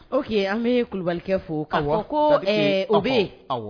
O an bɛ kulubalikɛ fo' ko o bɛ yen